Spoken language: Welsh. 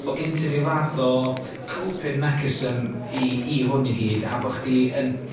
bo' gin i ryw fath o coping mechasymi i hwn i gyd a bo' chdi yn